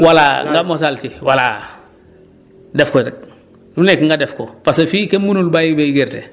voilà nga mosal si voilà def ko rek lu nekk nga def ko parce que fii kenn mënul bàyyio béy gerte